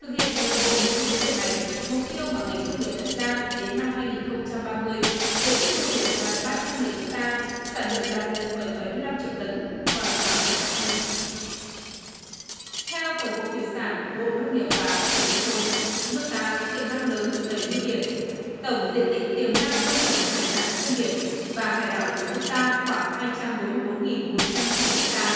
thực hiện đồng bộ những vấn đề này mục tiêu mà ngành nông nghiệp đặt ra đến năm hai nghìn không trăm ba mươi diện tích nuôi biển đạt ba trăm nghìn héc ta sản lượng đạt một phẩy bảy mươi lăm triệu tấn hoàn toàn có khả thi theo tổng cục thủy sản bộ nông nghiệp và phát triển nông thôn nước ta có tiềm năng lớn về nuôi biển tổng diện tích tiềm năng nuôi trồng hải sản trên biển và hải đảo của nước ta khoảng hai trăm bốn mươi bốn nghìn một trăm chín mươi héc ta